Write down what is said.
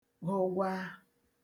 gụgwaa